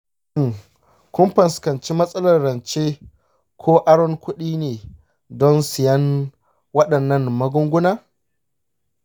shin kun fuskanci matsalar rance ko aron kuɗi ne don siyan waɗannan magungunan?